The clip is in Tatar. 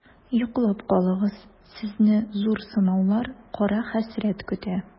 Йоклап калыгыз, сезне зур сынаулар, кара хәсрәт көтә.